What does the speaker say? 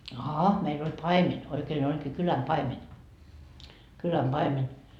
aha meillä oli paimen oikein olikin kylän paimen kylän paimen